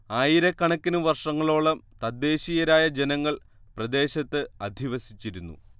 ആയിരക്കണക്കിന് വർഷങ്ങളോളം തദ്ദേശീയരായ ജനങ്ങൾ പ്രദേശത്ത് അധിവസിച്ചിരുന്നു